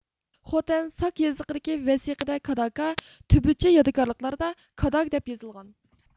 خوتەن ساك يېزىقىدىكى ۋەسىقىدە كاداكا تۈبۈتچە يادىكارلىقلاردا كاداگ دەپ يېزىلغان